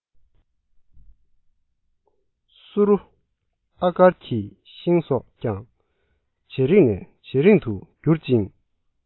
སུ རུ ཨ དཀར གྱི ཤིང སོགས ཀྱང ཇེ རིང ནས ཇེ རིང དུ གྱུར ཅིང